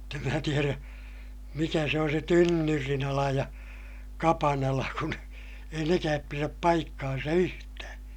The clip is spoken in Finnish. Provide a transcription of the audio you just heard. mutta en minä tiedä mikä se on se tynnyrinala ja kapanala kun ei nekään pidä paikkaansa yhtään